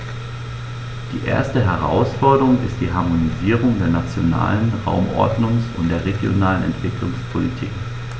Die erste Herausforderung ist die Harmonisierung der nationalen Raumordnungs- und der regionalen Entwicklungspolitiken.